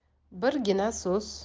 birgina so'z